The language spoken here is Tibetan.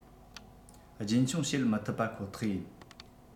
རྒྱུན འཁྱོངས བྱེད མི ཐུབ པ ཁོ ཐག ཡིན